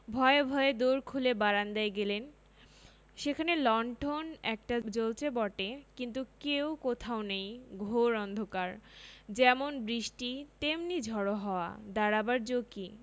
ভয়ে ভয়ে দোর খুলে বারান্দায় এলেন সেখানে লণ্ঠন একটা জ্বলচে বটে কিন্তু কেউ কোথাও নেই ঘোর অন্ধকার যেমন বৃষ্টি তেমনি ঝড়ো হাওয়া দাঁড়াবার জো কি